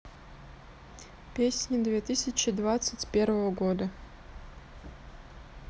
песни две тысячи двадцать первого года